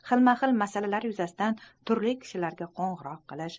xilma xil masalalar yuzasidan turli kishilarga qo'ng'iroq qilish